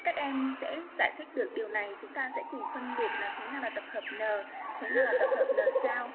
em sẽ giải thích được điều này chúng ta sẽ cùng phân biệt là thế nào là tập hợp n thế nào là tập hợp n sao